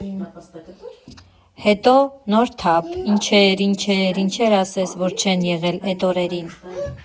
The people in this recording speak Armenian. Հետո՝ նոր թափ, ինչեր, ինչեր, ինչեր ասես, որ չեն եղել էդ օրերին.